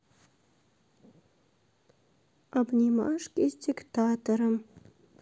обнимашки с диктатором